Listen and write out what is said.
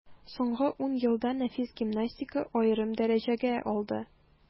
Соңгы ун елда нәфис гимнастика аерым дәрәҗәгә алды.